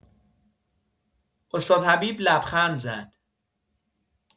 استاد حبیب لبخند زد.